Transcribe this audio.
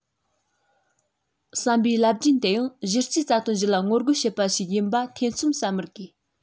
བསམ པའི རླབས རྒྱུན དེའང གཞི རྩའི རྩ དོན བཞི ལ ངོ རྒོལ བྱེད པ ཞིག ཡིན པ ཐེ ཚོམ ཟ མི དགོས